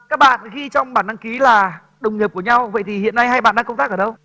các bạn ghi trong bản đăng ký là đồng nghiệp của nhau vậy thì hiện nay hai bạn đang công tác ở đâu